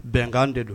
Bɛnkan de do